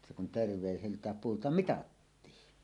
se kun terveiseltään puulta mitattiin